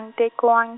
ntekiwang-.